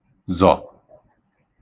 zọ̀